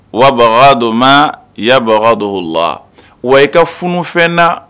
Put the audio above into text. Wa baga dɔ ma i yaabaga dɔ o la wa i ka funufɛn da